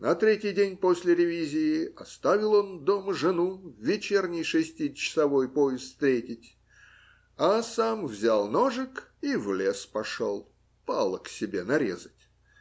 На третий день после ревизии оставил он дома жену вечерний шестичасовой поезд встретить, а сам взял ножик и в лес пошел, палок себе нарезать.